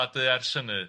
a dy ar synnu.